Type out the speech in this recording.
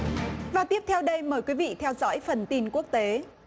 và tiếp theo đây mời quý vị theo dõi phần tin quốc tế